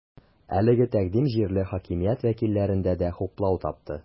Әлеге тәкъдим җирле хакимият вәкилләрендә дә хуплау тапты.